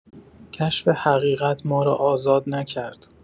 کشف حقیقت ما را آزاد نکرد.